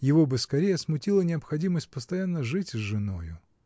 его бы скорее смутила необходимость постоянно жить с женою.